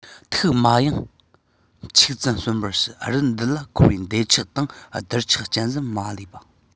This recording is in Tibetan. ཐུགས མ གཡེང ཁྱུག ཙམ གསོན པར ཞུ རི འདི ལ འཁོར བའི འདབ ཆགས དང སྡེར ཆགས གཅན གཟན མ ལུས པ